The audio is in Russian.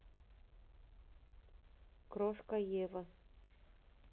крошка ева